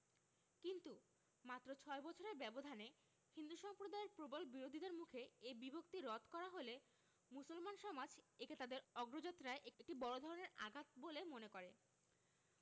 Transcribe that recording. কিন্তু মাত্র ছয় বছরের ব্যবধানে হিন্দু সম্প্রদায়ের প্রবল বিরোধিতার মুখে এ বিভক্তি রদ করা হলে মুসলমান সমাজ একে তাদের অগ্রযাত্রায় একটি বড় ধরনের আঘাত বলে মনে করে